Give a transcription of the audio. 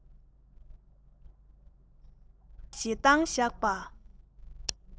ཟམ པར ཞེ འདང བཞག པ